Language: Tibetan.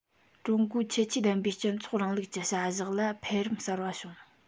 ཀྲུང གོའི ཁྱད ཆོས ལྡན པའི སྤྱི ཚོགས རིང ལུགས ཀྱི བྱ གཞག ལ འཕེལ རིམ གསར པ བྱུང